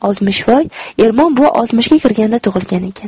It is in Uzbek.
oltmishvoy ermon buva oltmishga kirganda tug'ilgan ekan